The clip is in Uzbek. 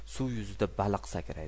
suv yuzida baliq sakraydi